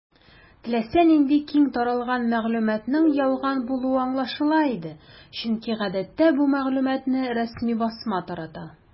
Теләсә нинди киң таралган мәгълүматның ялган булуы аңлашыла иде, чөнки гадәттә бу мәгълүматны рәсми басма тарата.